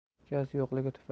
gaz yo'qligi tufayli